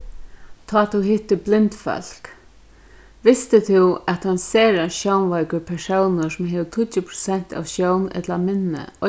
tá tú hittir blind fólk visti tú at ein sera sjónveikur persónur sum hevur tíggju prosent av sjón ella minni